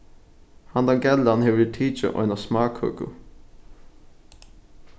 handan gellan hevur tikið eina smákøku